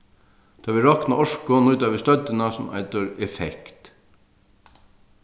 tá ið vit rokna orku nýta vit støddina sum eitur effekt